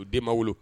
O den ma wolo